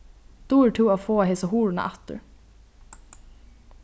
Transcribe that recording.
dugir tú at fáa hesa hurðina aftur